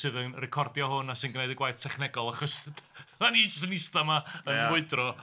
Sydd yn recordio hwn a sy'n gwneud y gwaith technegol achos dan ni jyst yn eistedd yma yn mwydro